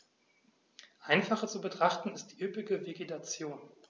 Einfacher zu betrachten ist die üppige Vegetation.